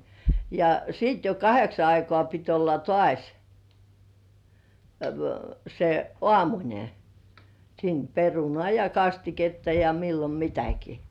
ja sitten jo kahdeksan aikaan piti olla taas se aamunen siinä perunaa ja kastiketta ja milloin mitäkin